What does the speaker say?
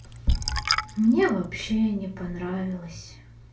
мне вообще не понравилось